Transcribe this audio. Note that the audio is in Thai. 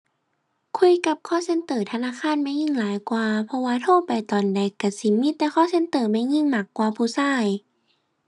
คุยกับ call center ธนาคารแม่หญิงหลายกว่า เพราะว่าโทรไปตอนใดก็สิมีแต่ call center แม่หญิงมากกว่าผู้ก็